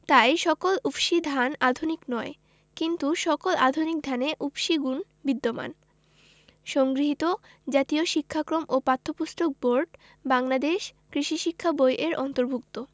তাই সকল উফশী ধান আধুনিক নয় কিন্তু সকল আধুনিক ধানে উফশী গুণ বিদ্যমান সংগৃহীত জাতীয় শিক্ষাক্রম ও পাঠ্যপুস্তক বোর্ড বাংলাদেশ কৃষি শিক্ষা বই এর অন্তর্ভুক্ত